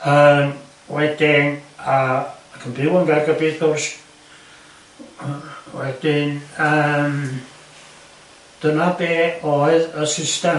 Yym wedyn a ac yn byw yn Gaergybi wrh gwrs wedyn yym dyna be oedd y system.